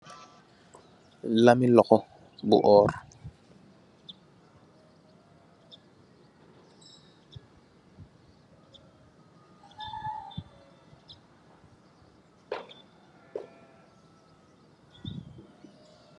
Lame lahou bu orr.